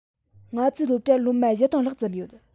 ང ཚོའི སློབ གྲྭར སློབ མ ༤༠༠༠ ལྷག ཙམ ཡོད